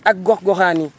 ak gox goxaan yi